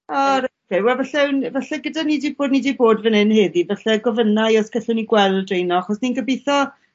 O r- oce wel falle wn- falle gyda ni 'di bod ni 'di bod fan 'yn heddi falle gofynnai os gallwn ni gweld reina achos ni'n gobitho